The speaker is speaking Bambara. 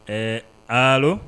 Ɛɛ allo